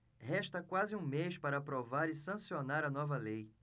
resta quase um mês para aprovar e sancionar a nova lei